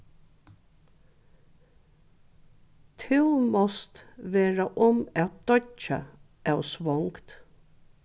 tú mást vera um at doyggja av svongd